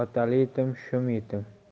otali yetim shum yetim